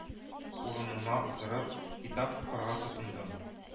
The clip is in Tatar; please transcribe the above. Урыныма утырып, китап укырга тотындым